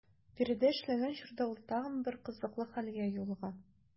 Биредә эшләгән чорда ул тагын бер кызыклы хәлгә юлыга.